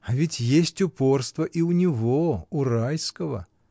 А ведь есть упорство и у него, у Райского!